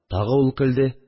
Тагы ул көлде